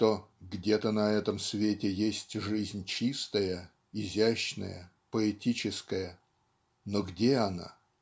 что "где-то на этом свете есть жизнь чистая изящная поэтическая но где она?".